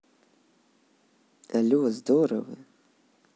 але здорово